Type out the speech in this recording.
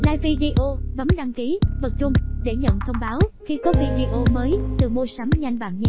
like video bấm đăng ký bật rung để nhận thông báo khi có video mới từ muasamnhanh bạn nhé